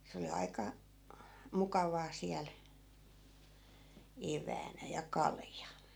se oli aika mukavaa siellä eväänä ja kalja